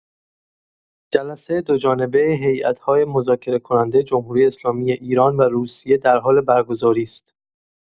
جلسه دوجانبه هیات‌های مذاکره‌کننده جمهوری‌اسلامی ایران و روسیه در حال برگزاری است.